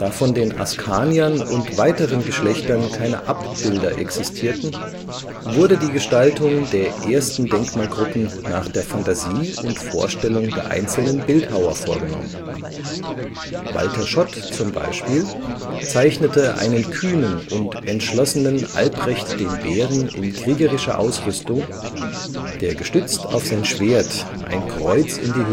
von den Askaniern und weiteren Geschlechtern keine Abbilder existierten, wurde die Gestaltung der ersten Denkmalgruppen nach der Fantasie und Vorstellung der einzelnen Bildhauer vorgenommen. Walter Schott zum Beispiel zeichnete einen kühnen und entschlossenen Albrecht den Bären in kriegerischer Ausrüstung, der gestützt auf sein Schwert ein Kreuz in die